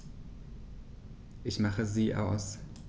Ich mache sie aus.